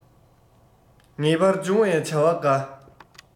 ངེས པར འབྱུང བའི བྱ བ འགའ